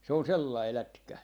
se on sellainen lätkä